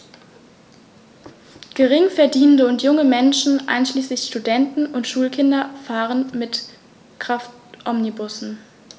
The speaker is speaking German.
Geringverdienende und junge Menschen, einschließlich Studenten und Schulkinder, fahren mit Kraftomnibussen.